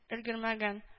Өлгермәгән